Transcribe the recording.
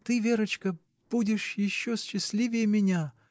— Ты, Верочка, будешь еще счастливее меня!